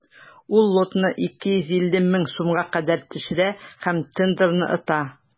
Ул лотны 250 мең сумга кадәр төшерә һәм тендерны ота.